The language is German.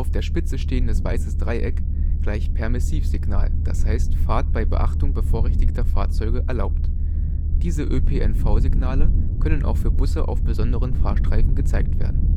der Spitze stehendes weißes Dreieck = Permissivsignal d. h. Fahrt bei Beachtung bevorrechtigter Fahrzeuge erlaubt. Diese ÖPNV-Signale können auch für Busse auf besonderen Fahrstreifen gezeigt werden